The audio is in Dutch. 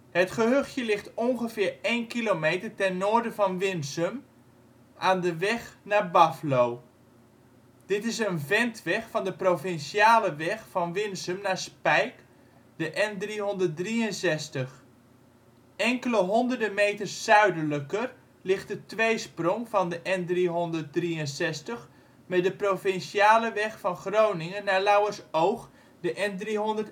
Het gehuchtje ligt ongeveer 1 kilometer ten noorden van Winsum (Obergum), aan de weg naar Baflo. Dit is een ventweg van de provinciale weg van Winsum naar Spijk (de N363). Enkele honderden meters zuidelijker ligt de tweesprong van de N363 met de provinciale weg van Groningen naar Lauwersoog (de N361). Ten